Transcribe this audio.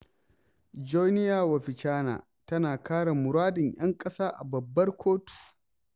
Joenia Wapichana tana kare muradun 'yan ƙasa a Babbar Kotu.